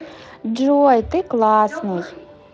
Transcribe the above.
джой ты классный